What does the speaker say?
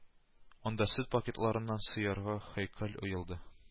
Анда сөт пакетларыннан сыерга һәйкәл ыелды